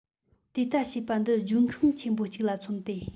དེ ལྟ བྱས པ འདི ལྗོན ཤིང ཆེན པོ གཅིག ལ མཚུངས ཏེ